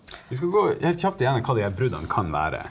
vi skal gå helt kjapt igjennom hva de her bruddene kan være.